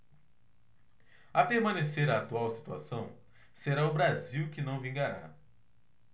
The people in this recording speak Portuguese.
a permanecer a atual situação será o brasil que não vingará